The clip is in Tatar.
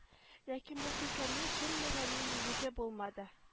Ләкин бу фикернең чын фәнни нигезе булмады